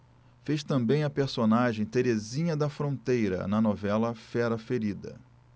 fez também a personagem terezinha da fronteira na novela fera ferida